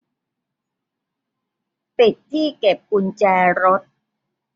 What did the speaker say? ปิดที่เก็บกุญแจรถ